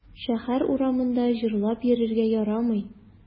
Шәһәр урамында җырлап йөрергә ярамый.